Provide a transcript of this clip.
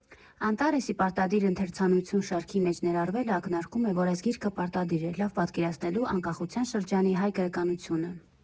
Անտարեսի «Պարտադիր ընթերցանություն» շարքի մեջ ներառվելը ակնարկում է, որ այս գիրքը պարտադիր է՝ լավ պատկերացնելու անկախության շրջանի հայ գրականությունը։